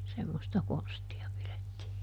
semmoista konstia pidettiin